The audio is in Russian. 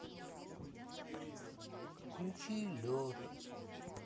включи лед